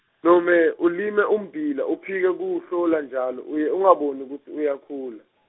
nome, ulime ummbila uphike kuwuhlola njalo, uye ungaboni kutsi uyakhula.